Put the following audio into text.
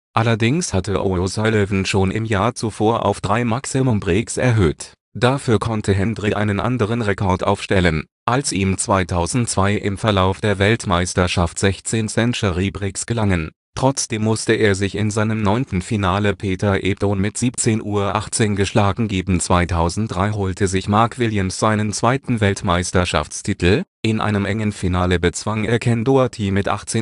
allerdings hatte O’ Sullivan schon im Jahr zuvor auf drei Maximum Breaks erhöht. Dafür konnte Hendry einen anderen Rekord aufstellen, als ihm 2002 im Verlauf der Weltmeisterschaft 16 Century-Breaks gelangen. Trotzdem musste er sich in seinem neunten Finale Peter Ebdon mit 17:18 geschlagen geben. 2003 holte sich Mark Williams seinen zweiten Weltmeisterschaftstitel. In einem engen Finale bezwang er Ken Doherty mit 18:16